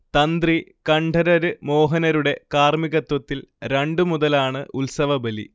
തന്ത്രി കണ്ഠരര് മോഹനരുടെ കാർമികത്വത്തിൽ രണ്ടുമുതലാണ് ഉത്സവബലി